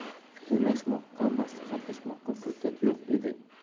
fikrlashmoqqa maslahatlashmoqqa fursat yo'q edi